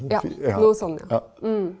ja noko sånn ja .